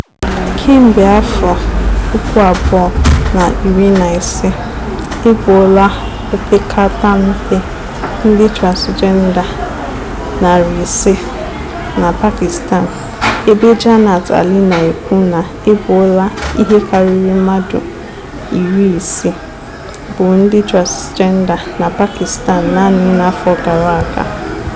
Kemgbe afọ 2015, e gbuola opekatampe ndị transịjenda 500 na Pakistan, ebe Jannat Ali na-ekwu na e gbuola ihe karịrị mmadụ 60 bụ ndị transgenda na Pakistan naanị n'afọ gara aga.